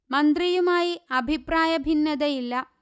മന്ത്രിയുമായി അഭിപ്രായ ഭിന്നതയില്ല